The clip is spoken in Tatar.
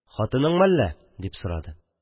– хатыныңмы әллә? – дип сорады.